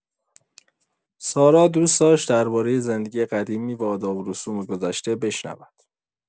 سارا دوست داشت دربارۀ زندگی قدیمی و آداب‌ورسوم گذشته بشنود.